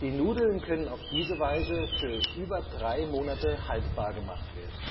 Nudeln können auf diese Weise für über drei Monate haltbar gemacht werden